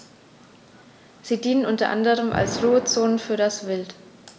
Sie dienen unter anderem als Ruhezonen für das Wild.